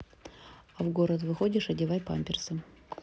а в город выходишь одевай памперсы